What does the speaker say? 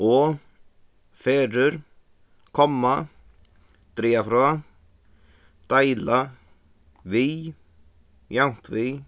og ferðir komma draga frá deila við javnt við